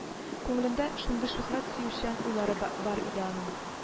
Күңелендә шундый шөһрәт сөючән уйлары ба бар иде аның